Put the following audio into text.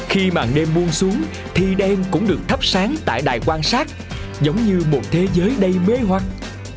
khi màn đêm buông xuống thì đèn cũng được thắp sáng tại đài quan sát giống như một thế giới đầy mê hoặc